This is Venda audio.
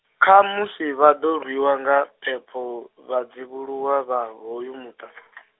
kha musi vha ḓo rwiwa nga phepho vhadzivhuluwa vha hoyu muṱa .